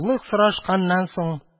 Исәнлек-саулык сорашканнан соң